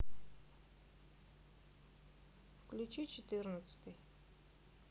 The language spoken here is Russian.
включи четырнадцатый